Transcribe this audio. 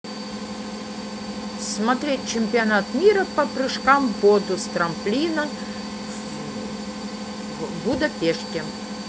смотреть чемпионат мира по прыжкам в воду с трамплина в будапеште